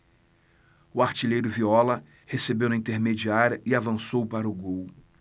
o artilheiro viola recebeu na intermediária e avançou para o gol